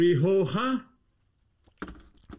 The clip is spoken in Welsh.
Rihoha?